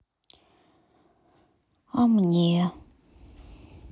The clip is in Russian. а мне